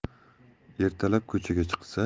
ertalab ko'chaga chiqsa